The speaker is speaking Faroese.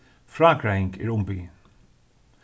frágreiðing er umbiðin